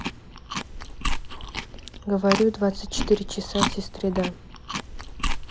говорю двадцать четыре часа сестре да